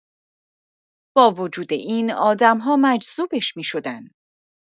با وجود این، آدم‌ها مجذوبش می‌شدند.